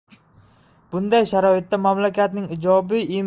bunday sharoitda mamlakatning ijobiy